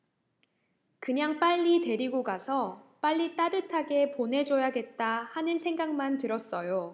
그냥 빨리 데리고 가서 빨리 따뜻하게 보내줘야겠다 하는 생각만 들었어요